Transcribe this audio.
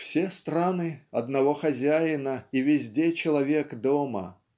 Все страны - одного хозяина, и везде человек дома.